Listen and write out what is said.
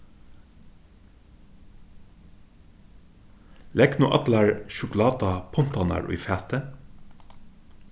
legg nú allar sjokulátapuntarnar í fatið